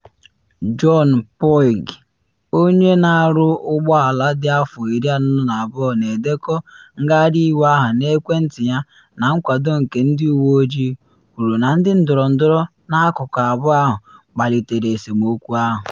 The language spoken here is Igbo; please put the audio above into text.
Joan Puig, onye na arụ ụgbọ ala dị afọ 42 na edekọ ngagharị iwe ahụ n’ekwentị ya na nkwado nke ndị uwe ojii, kwuru na ndị ndọrọndọrọ n’akụkụ abụọ ahụ kpalitere esemokwu ahụ.